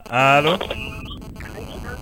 Haalo ?